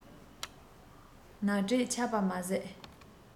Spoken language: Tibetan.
ནག དྲེག ཆགས པ མ ཟད